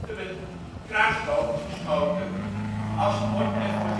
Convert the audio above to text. met kruisbogen geschoten, als sport en voor